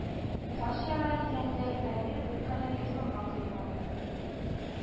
Таш яра дигәндәй, әмир, беркадәр ясалма кыюланып,